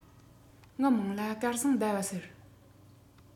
ངའི མིང ལ སྐལ བཟང ཟླ བ ཟེར